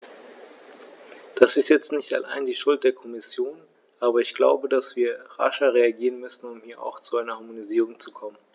Das ist jetzt nicht allein die Schuld der Kommission, aber ich glaube, dass wir rascher reagieren müssen, um hier auch zu einer Harmonisierung zu kommen.